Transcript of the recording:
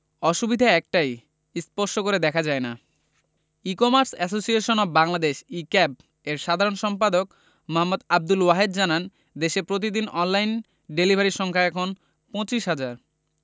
অসুবিধা একটাই স্পর্শ করে দেখা যায় না e commerce association of Bangladesh e CAB এর সাধারণ সম্পাদক মো. আবদুল ওয়াহেদ জানান দেশে প্রতিদিন অনলাইন ডেলিভারি সংখ্যা এখন ২৫ হাজার